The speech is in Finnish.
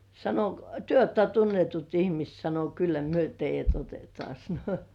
sanoi - te olette tunnetut ihmiset sanoi kyllä me teidät otetaan sanoi